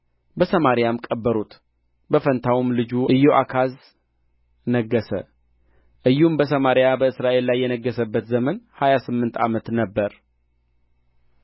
በሰማርያም ቀበሩት በፋንታውም ልጁ ኢዮአካዝ ነገሠ ኢዩም በሰማርያ በእስራኤል ላይ የነገሠበት ዘመን ሀያ ስምንት ዓመት ነበረ